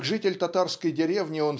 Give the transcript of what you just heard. как житель татарской деревни